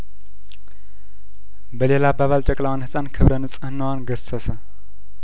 በሌላ አባባል ጨቅላዋን ህጻን ክብረንጽህናዋን ገሰሰ